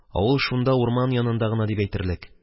Авыл шунда, урман янында гына дип әйтерлек.